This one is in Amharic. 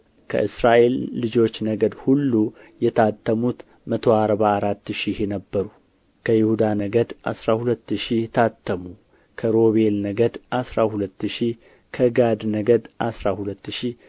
ከእስራኤል ልጆች ነገድ ሁሉ የታተሙት መቶ አርባ አራት ሺህ ነበሩ ከይሁዳ ነገድ አሥራ ሁለት ሺህ ታተሙ ከሮቤል ነገድ አሥራ ሁለት ሺህ ከጋድ ነገድ አሥራ ሁለት ሺህ